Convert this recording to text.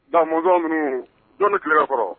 Dazɔn minnu dɔnni tilela kɔrɔ